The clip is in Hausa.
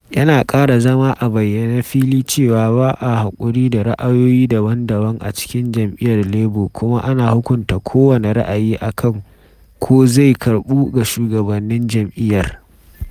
Yana ƙara zama a bayyane fili cewa ba a haƙuri da ra’ayoyi daban-daban a cikin jam’iyyar Labour kuma ana hukunta kowane ra’ayi a kan ko zai karɓu ga shugabannin jam’iyyar.